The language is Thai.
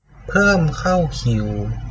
เพิ่มเข้าคิว